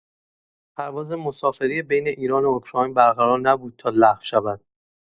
پرواز مسافری بین ایران و اوکراین برقرار نبود تا لغو شود.